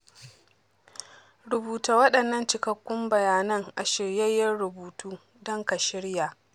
Rubuta wadannan cikakkun bayanan a shiryayyen rubutu don ka shirya.